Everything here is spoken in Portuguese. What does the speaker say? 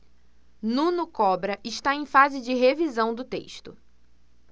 nuno cobra está em fase de revisão do texto